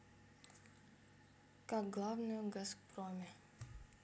как главное в газпроме